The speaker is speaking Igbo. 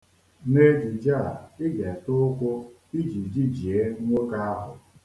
N'ejije a, ị ga-ete ụkwụ iji jijee nwoke ahụ.